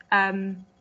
ymm